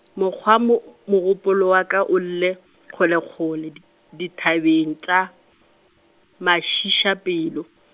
mokgwa mo, mogopolo wa ka o ile, kgolekgole di dithabeng tša, mašiišapelo.